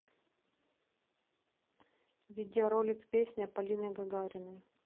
видеоролик песня полины гагариной